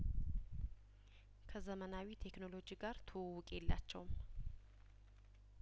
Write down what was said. ከዘመናዊ ቴክኖሎጂ ጋር ትውውቅ የላቸውም